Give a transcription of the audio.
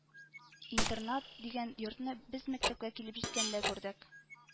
Интернат дигән йортны без мәктәпкә килеп җиткәндә күрдек